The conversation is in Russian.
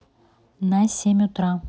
на семь утра